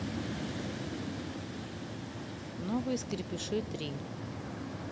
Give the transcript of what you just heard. новые скрепыши три